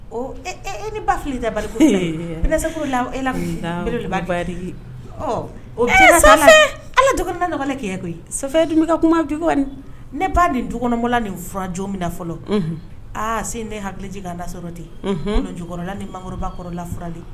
Ɔ e ni ba fili da bali ne se k' la e e laban ye ɔ o sa ala j naba ke koyi sanfɛ dun bɛ ka kuma bi ne ba nin jkɔnɔbɔla nin furaj min na fɔlɔ aa se ne hakiliji ka nasɔrɔ ten jkɔrɔla ni mamuruba kɔrɔ lafurali